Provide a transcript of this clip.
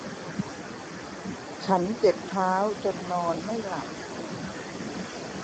ฉันเจ็บเท้าจนนอนไม่หลับ